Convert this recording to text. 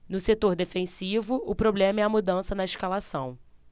no setor defensivo o problema é a mudança na escalação